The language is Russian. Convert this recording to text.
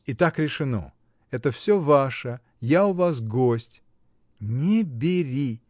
— Итак, решено: это всё ваше, я у вас гость. — Не бери!